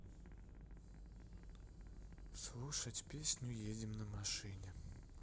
слушать песню едем на машине